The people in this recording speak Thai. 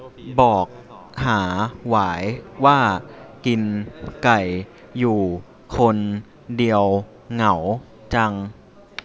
บอกหาหวายว่ากินไก่อยู่คนเดียวเหงาจัง